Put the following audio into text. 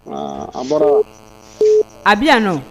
Aa a a bi yan nɔ